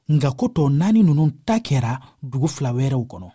nka ko tɔ naani ninnu taw kɛra dugu fila wɛrɛw kɔnɔ